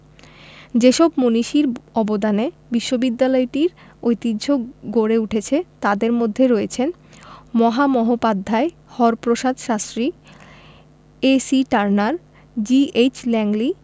যেসব মনীষীর অবদানে বিশ্ববিদ্যালয়টির ঐতিহ্য গড়ে উঠেছে তাঁদের মধ্যে রয়েছেন মহামহোপাধ্যায় Haraprasad Shastri A C Turner G H Langley